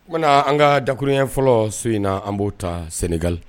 Ko na an ka dakurunɲɛ fɔlɔ so in na an b'o ta sɛnɛgali